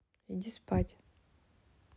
иди спать